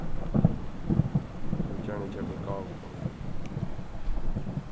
eg vil gjarna keypa eitt gávukort